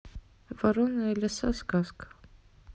ворона и лиса сказка